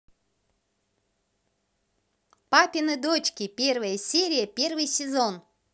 папины дочки первая серия первый сезон